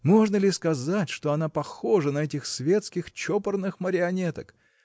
можно ли сказать, что она похожа на этих светских чопорных марионеток?